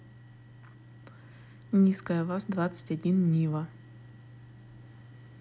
низкая ваз двадцать один нива